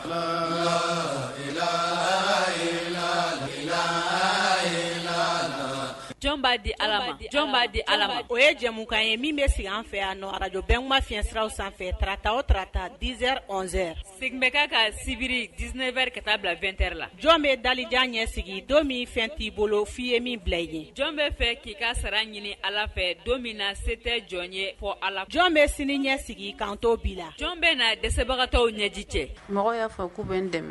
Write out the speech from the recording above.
'a di'a di ala o ye jamukan ye min bɛ sigi an fɛ ajɔ bɛɛ ma fisiraw sanfɛ tata o tata dizz segin bɛ ka sibiri diinɛ wɛrɛri ka taa bila2tɛ la jɔn bɛ dajan ɲɛsigi don min fɛn t'i bolo f'i ye min bila i ye jɔn bɛ fɛ k'i ka sara ɲini ala fɛ don min na se tɛ jɔn ye fɔ a la jɔn bɛ sini ɲɛ sigi kantɔn bi la jɔn bɛ na dɛsɛbagatɔw ɲɛji cɛ mɔgɔ y'a